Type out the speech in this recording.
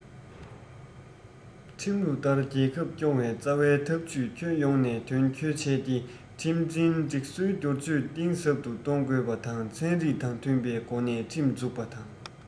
ཁྲིམས ལུགས ལྟར རྒྱལ ཁབ སྐྱོང བའི རྩ བའི ཐབས ཇུས ཁྱོན ཡོངས ནས དོན འཁྱོལ བྱས ཏེ ཁྲིམས འཛིན སྒྲིག སྲོལ སྒྱུར བཅོས གཏིང ཟབ ཏུ གཏོང དགོས པ དང ཚན རིག དང མཐུན པའི སྒོ ནས ཁྲིམས འཛུགས པ དང